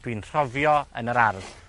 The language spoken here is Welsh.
dwi'n rhofio yn yr ardd.